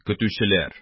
КӨТҮЧЕЛӘР